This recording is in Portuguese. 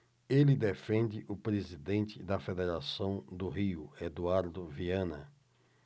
ele defende o presidente da federação do rio eduardo viana